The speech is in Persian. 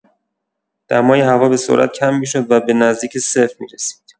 دمای هوا به‌سرعت کم می‌شد و به نزدیک صفر می‌رسید.